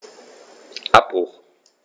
Abbruch.